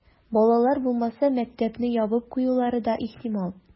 Балалар булмаса, мәктәпне ябып куюлары да ихтимал.